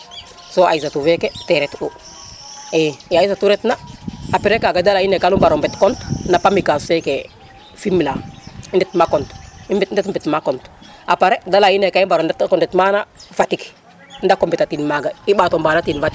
so Aissatou feke ten ret u ya Aissatou ret na aprés kaga de leya ine kan mbaro mbet compte na Pamecas feke Fimela i ndet mbet ma compte aprés de laeya ine gan mbaro ndet mana Fatick ndako mbeta tin maga i ɓata mbaɗatin Fatick